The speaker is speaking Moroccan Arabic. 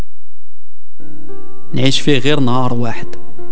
ايش في غير نهار واحد